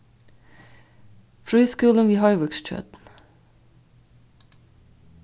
frískúlin við hoyvíkstjørn